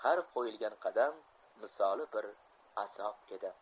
har qo'yilgan qadam misoli bir azob edi